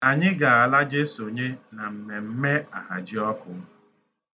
Anyị ga-ala je sonye na mmemme Ahajiọkụ.